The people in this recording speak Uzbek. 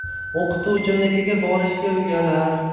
o'qituvchimnikiga borishga uyalar